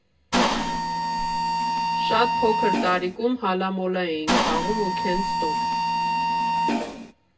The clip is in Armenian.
Շատ փոքր տարիքում հալամոլա էինք խաղում ու քենթ֊սթոփ։